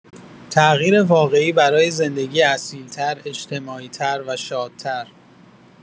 تغییر واقعی برای زندگی اصیل‌تر، اجتماعی‌تر و شادتر